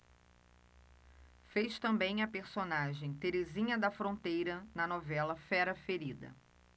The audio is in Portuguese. fez também a personagem terezinha da fronteira na novela fera ferida